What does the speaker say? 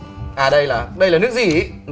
à đây là đây là nước gì